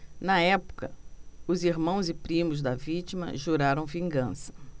na época os irmãos e primos da vítima juraram vingança